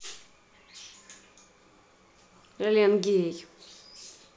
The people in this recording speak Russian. элен гей